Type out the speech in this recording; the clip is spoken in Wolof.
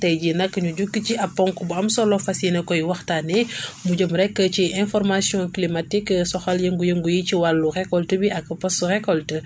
tey jii nag ñu jukki ci ab ponk bu am solo fas yéene koy waxtaanee mu jëm rek ci information climatique soxal yëngu-yëngu yi ci wàllu récolte bi ak post récolte